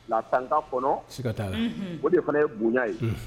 La tanta kɔnɔ sika taa o de fana ye bonya ye